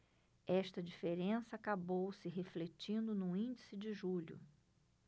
esta diferença acabou se refletindo no índice de julho